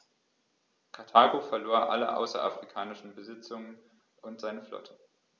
Karthago verlor alle außerafrikanischen Besitzungen und seine Flotte.